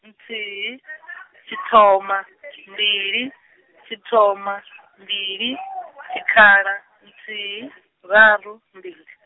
nthihi , tshithoma, mbili, tshithoma, mbili, tshikhala, nthihi, raru, mbili.